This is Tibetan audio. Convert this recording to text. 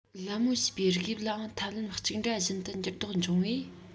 ལད མོ བྱེད པའི རིགས དབྱིབས ལའང ཐབས ལམ གཅིག འདྲ བཞིན དུ འགྱུར ལྡོག འབྱུང བས